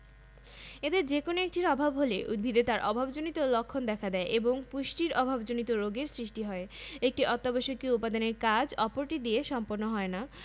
এ উপাদানগুলোর অভাবে উদ্ভিদ সুষ্ঠুভাবে বাঁচতে পারে না এ উপাদানগুলোকে উদ্ভিদের পুষ্টি উপাদান বলে এসকল পুষ্টি উপাদানের অধিকাংশই উদ্ভিদ মাটি থেকে সংগ্রহ করে বলে এদেরকে খনিজ পুষ্টি বলা হয়